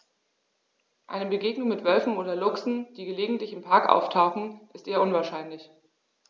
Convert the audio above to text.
Eine Begegnung mit Wölfen oder Luchsen, die gelegentlich im Park auftauchen, ist eher unwahrscheinlich.